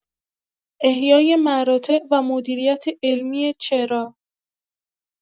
احیای مراتع و مدیریت علمی چرا